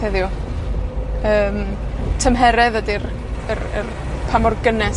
heddiw. Yym, tymheredd ydi'r, yr, yr, pa mor gynnes